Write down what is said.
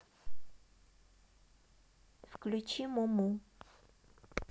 включи муму